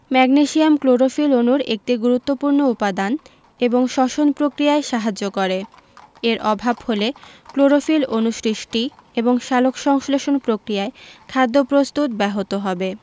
magnesium chlorophyll অণুর একটি গুরুত্বপুর্ণ উপাদান এবং শ্বসন প্রক্রিয়ায় সাহায্য করে এর অভাব হলে ক্লোরোফিল অণু সৃষ্টি এবং সালোকসংশ্লেষণ প্রক্রিয়ায় খাদ্য প্রস্তুত ব্যাহত হবে